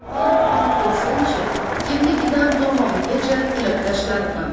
qilib ham ko'rsin chi kindigidan tomog'igacha tilib tashlarman